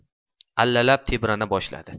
allalab tebrana boshladi